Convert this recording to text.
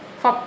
fop